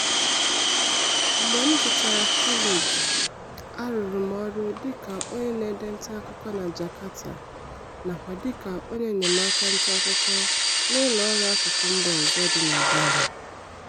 Mgbe m gụchara kọleji, a rụrụ m ọrụ dịka onye na-ede ntaakụkọ na Jakarta, nakwa dịka onye enyemaaka ntaakụkọ n'ụlọ ọrụ akụkọ mba ọzọ dị na Bali.